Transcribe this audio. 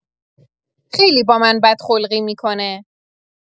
خیلی با من بد خلقی می‌کنه